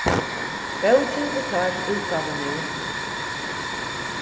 bókin er klár til útgávu nú